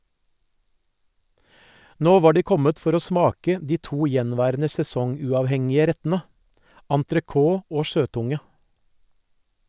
Nå var de kommet for å smake de to gjenværende sesonguavhengige rettene, entrecôte og sjøtunge.